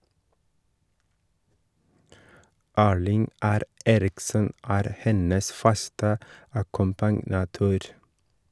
Erling R. Eriksen er hennes faste akkompagnatør.